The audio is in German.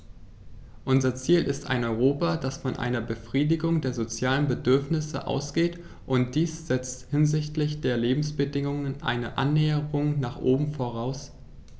Unser Ziel ist ein Europa, das von einer Befriedigung der sozialen Bedürfnisse ausgeht, und dies setzt hinsichtlich der Lebensbedingungen eine Annäherung nach oben voraus.